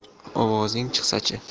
ovozing chiqsachi